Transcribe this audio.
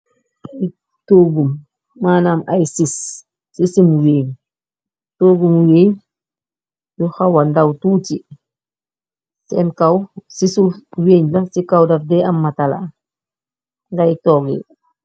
Togu manam ay sess sess si weeng toyu weng yu xawa ndaw tuti sen kaw si suuf weng la si kaw dat dex am matala fi ngay toge.